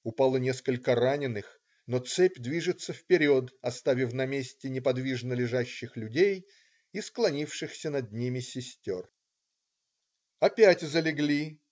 Упало несколько раненых, но цепь движется вперед, оставив на месте неподвижно лежащих людей и склонившихся над ними сестер. Опять залегли.